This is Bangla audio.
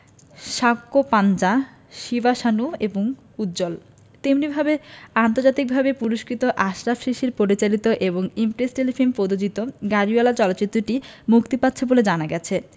সাঙ্কোপাঞ্জা শিবা সানু এবং উজ্জ্বল তেমনিভাবে আন্তর্জাতিকভাবে পুরস্কৃত আশরাফ শিশির পরিচালিত এবং ইমপ্রেস টেলিফিল্ম প্রযোজিত গাড়িওয়ালা চলচ্চিত্রটিও মুক্তি পাচ্ছে বলে জানা গেছে